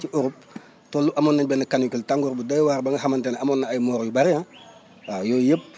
ci Europe toll amoon nañ benn canicule tàngoor bu doy waar ba nga xamante ne amoon na ay morts yu bëre ah waaw yooyu yëpp